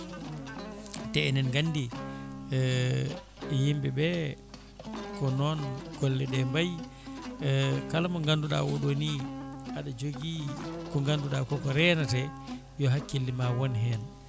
te enen gandi yimɓeɓe ko noon golle ɗe mbaayi kala mo ganduɗa oɗo ni aɗa jogui ko ganduɗa koɗo renete yo hakkille ma woon hen